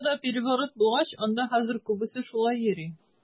Кубада переворот булгач, анда хәзер күбесе шулай йөри.